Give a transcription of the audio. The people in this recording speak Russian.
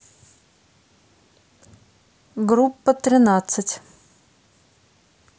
группа тринадцать